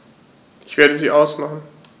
Ich werde sie ausmachen.